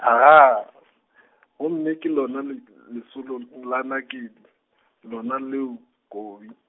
agaa , gomme ke lona le l- lesolo la Nakedi, lona leo, Kobi.